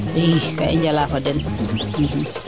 ii ka i njala fo den